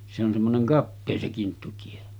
se on semmoinen kapea se kinttutie